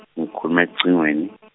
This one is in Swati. ngikhulume cingweni.